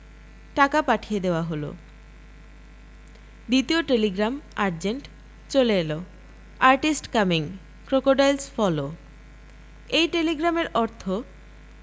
ঢাকা পাঠিয়ে দেয়া হল দ্বিতীয় টেলিগ্রাম আজেন্ট চলে এল আর্টিস্ট কামিং. ক্রোকোডাইলস ফলো' এই টেলিগ্রামের অর্থ